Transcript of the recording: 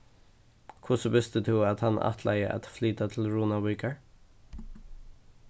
hvussu visti tú at hann ætlaði at flyta til runavíkar